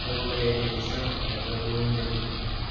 tomonlama toblaydi desam xato bo'lmaydi